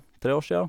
Tre år sia.